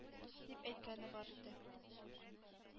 — дип әйткәне бар иде.